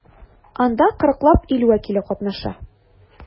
Анда 40 лап ил вәкиле катнаша.